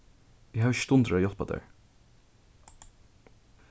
eg havi ikki stundir at hjálpa tær